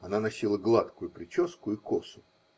Она носила гладкую прическу и косу.